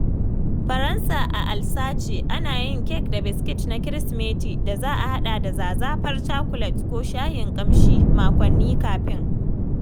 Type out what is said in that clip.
Faransa - A Alsace ana yin kek da biskit na Kirsimeti da za a haɗa da zazafar cakulet ko shayin kayan ƙanshi makwanni kafin.